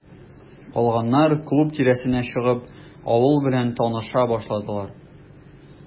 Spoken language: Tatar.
Калганнар, клуб тирәсенә чыгып, авыл белән таныша башладылар.